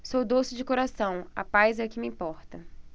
sou doce de coração a paz é que me importa